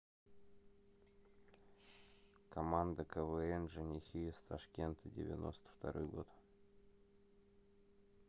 команда квн женихи из ташкента девяносто второй год